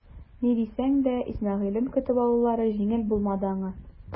Ни дисәң дә Исмәгыйлен көтеп алулары җиңел булмады аңа.